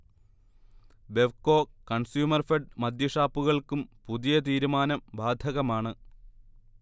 ബെവ്കോ, കൺസ്യൂമർഫെഡ് മദ്യഷാപ്പുകൾക്കും പുതിയ തീരുമാനം ബാധകമാണ്